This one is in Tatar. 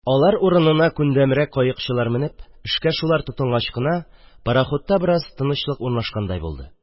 Алар урынына күндәмрәк каекчылар менеп, эшкә шулар тотынгач кына пароходта бераз тынычлык урнашкандай булды.